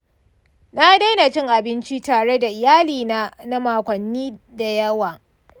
na daina cin abinci tare da iyalina na makonni da yawa.